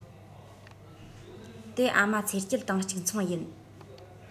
དེ ཨ མ ཚེ སྐྱིད དང གཅིག མཚུངས ཡིན